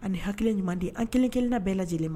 Ani hakili ɲuman di an kelen- kelen na bɛɛ lajɛlen ma